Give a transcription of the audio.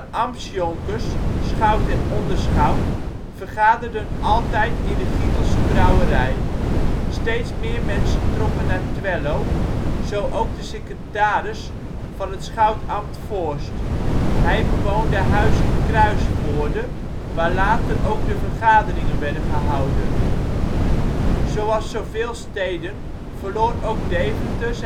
ambtsjonkers (schout en onderschouten) vergaderden altijd in de Gietelse brouwerij. Steeds meer mensen trokken naar Twello, zo ook de secretaris van het schoutambt Voorst. Hij bewoonde Huize Kruisvoorde waar later ook de vergaderingen werden gehouden. Twello, Havekes Mölle Zoals zoveel steden verloor ook Deventer